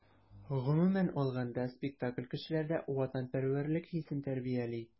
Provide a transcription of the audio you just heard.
Гомумән алганда, спектакль кешеләрдә ватанпәрвәрлек хисен тәрбияли.